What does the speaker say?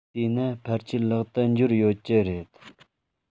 དེས ན ཕལ ཆེར ལག ཏུ འབྱོར ཡོད ཀྱི རེད